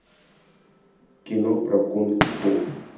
кино про кунг фу